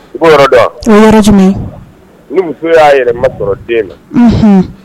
I bo yɔrɔ dɔn wa? O ye yɔrɔ jumɛn ye ? Ni muso ya yɛrɛ ma sɔrɔ den na